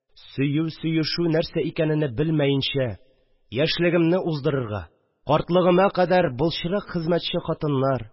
Сөю-сөешү нәрсә икәнене белмәенчә, яшьлегемне уздырырга, картлыгыма кадәр былчырак хезмәтче хатыннар